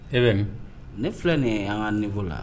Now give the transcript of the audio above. E bɛ ne filɛ nin an ka nefɔ la